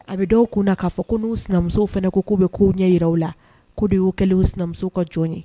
A be dɔw kunna k'a fɔ ko n'u sinamusow fɛnɛ ko k'u be kow ɲɛ yiraw la ko de y'u kɛlen y'u sinamuso ka jɔn ye